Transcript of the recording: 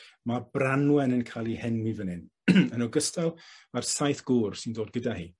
Ma' Branwen yn ca'l 'i henwi fan hyn yn ogystal ma'r saith gŵr sy'n dod gyda hi.